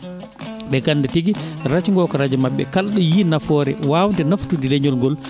ɓe ganda ganda tigui radio go ko radio mabɓe kala ɗo yii nafoore wawde naftude leñol ngol